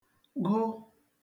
gụ